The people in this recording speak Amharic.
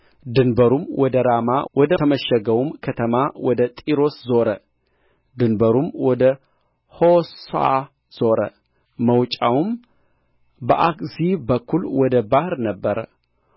ድንበሩም ወደ ራማ ወደ ተመሸገውም ከተማ ወደ ጢሮስ ዞረ ድንበሩም ወደ ሖሳ ዞረ መውጫውም በአክዚብ በኩል ወደ ባሕሩ ነበረ